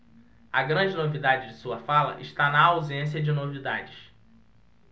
a grande novidade de sua fala está na ausência de novidades